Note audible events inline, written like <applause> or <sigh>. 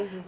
<hesitation> <hesitation>